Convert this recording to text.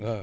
waaw